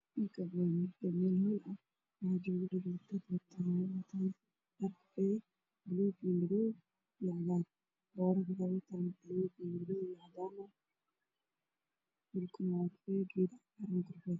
Meeshan waa meel banaan ah dad ayaa iskugu imaaday waana dumar waxay wataan dhar cabaayado ah waxaa ka baxaaya intooda geela cagaa